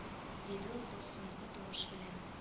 Диде ул басынкы тавыш белән